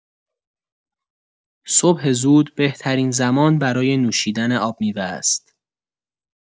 صبح زود بهترین زمان برای نوشیدن آب‌میوه است.